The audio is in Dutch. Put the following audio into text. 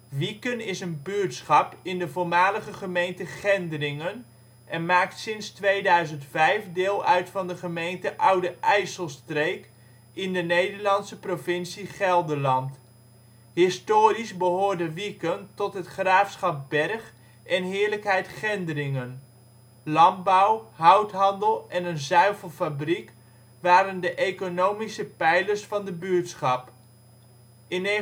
Wieken is een buurtschap in de voormalige gemeente Gendringen en maakt sinds 2005 deel uit van de gemeente Oude IJsselstreek in de Nederlandse provincie Gelderland. Historisch behoorde Wieken tot het Graafschap Bergh en Heerlijkheid Gendringen. Landbouw, houthandel en een zuivelfabriek waren de econonmische pijlers van de buurtschap. In 1982/1983